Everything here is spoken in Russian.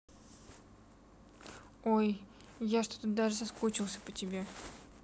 ой я что тут даже соскучился по тебе